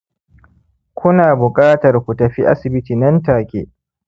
ku na buƙatar ku tafi asibiti nan-take